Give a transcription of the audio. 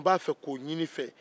n b'a fɛ k'o ɲini i fɛ